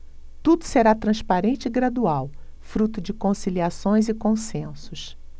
tudo será transparente e gradual fruto de conciliações e consensos